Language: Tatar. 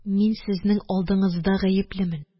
Мин сезнең алдыңызда гаеплемен